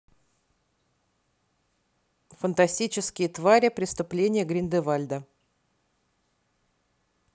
фантастические твари преступления гриндевальда